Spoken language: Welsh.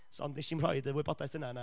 So, ond wnes i'm rhoid y wybodaeth yna na